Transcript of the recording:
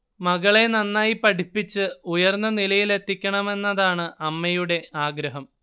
മകളെ നന്നായി പഠിപ്പിച്ച് ഉയർന്ന നിലയിലെത്തിക്കണമെന്നതാണ് അമ്മയുടെ ആഗ്രഹം